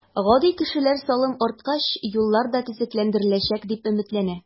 Гади кешеләр салым арткач, юллар да төзекләндереләчәк, дип өметләнә.